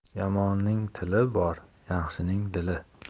yomonning tili bor yaxshining dili